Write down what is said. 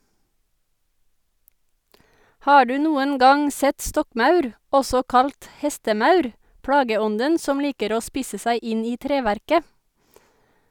Har du noen gang sett stokkmaur, også kalt hestemaur, plageånden som liker å spise seg inn i treverket?